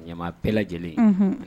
Ɲama bɛɛ lajɛlen